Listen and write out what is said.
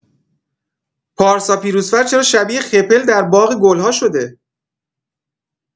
پارسا پیروزفر چرا شبیه خپل در باغ گل‌ها شده؟